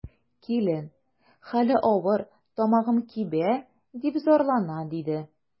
Килен: хәле авыр, тамагым кибә, дип зарлана, диде.